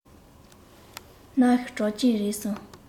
གནའ ཤུལ གྲགས ཅན རེད གསུངས